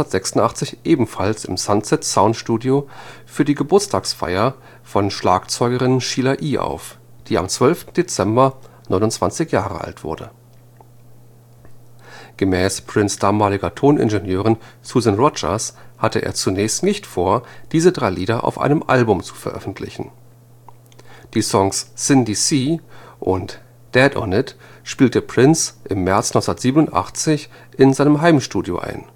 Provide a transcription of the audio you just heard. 1986 ebenfalls im Sunset-Sound-Studio für die Geburtstagsfeier von Schlagzeugerin Sheila E. auf, die am 12. Dezember 29 Jahre alt wurde. Gemäß Prince’ damaliger Toningenieurin Susan Rogers hatte er zunächst nicht vor, diese drei Lieder auf einem Album zu veröffentlichen. Die Songs Cindy C. und Dead on It spielte Prince im März 1987 in seinem Heimstudio ein